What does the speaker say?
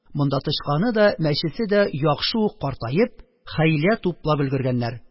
Монда тычканы да, мәчесе дә яхшы ук картаеп, хәйлә туплап өлгергәннәр